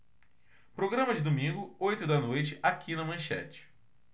programa de domingo oito da noite aqui na manchete